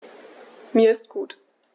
Mir ist gut.